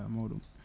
mawɗum